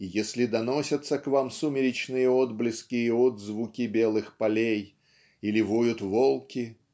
И если доносятся к вам сумеречные отблески и отзвуки белых полей или воют волки